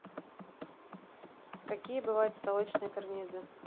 какие бывают потолочные карнизы